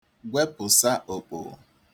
gwepụ̀sà òkpòò